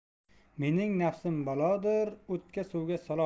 mening nafsim balodur o'tdan suvga soladur